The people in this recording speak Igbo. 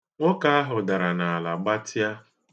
Nwoke ahụ dara n'ala gbatia.